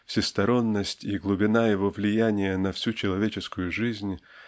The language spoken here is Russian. всесторонность и глубина его влияния на всю человеческую жизнь